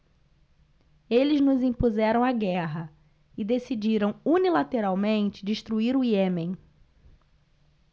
eles nos impuseram a guerra e decidiram unilateralmente destruir o iêmen